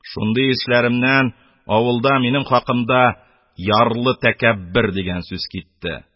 Шундый эшләремнән авылда минем хакымда "ярлы тәкәббер" дигән сүз китте.